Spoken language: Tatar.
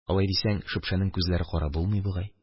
Алай дисәң, шөпшәнең күзләре кара булмый бугай.